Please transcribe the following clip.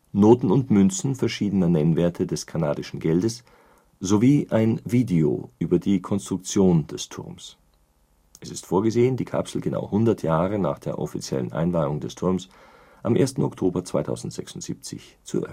Noten und Münzen verschiedener Nennwerte des kanadischen Geldes sowie ein Video über die Konstruktion des Turms. Es ist vorgesehen, die Kapsel genau 100 Jahre nach der offiziellen Einweihung des Turms am 1. Oktober 2076 zu